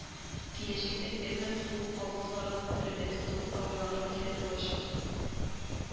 Киләчәктә фермер ху алыкларын эреләтү турында уйланырга кирәк булачак